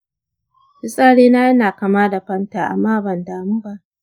fitsarina yana kama da fanta amma ban damu ba.